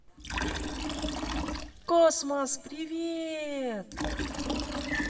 космос привет